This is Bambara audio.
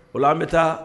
O an bɛ taa